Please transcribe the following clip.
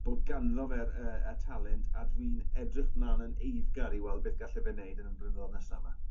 bod ganddo fe'r yy y talent a dwi'n edrych mlan yn eiddgar i weld beth galle fe neud yn y blynyddodd nesa 'ma.